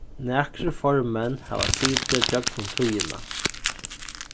nakrir formenn hava sitið gjøgnum tíðina